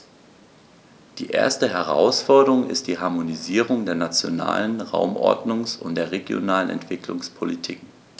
Die erste Herausforderung ist die Harmonisierung der nationalen Raumordnungs- und der regionalen Entwicklungspolitiken.